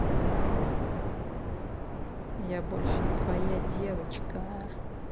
я больше не твоя девочка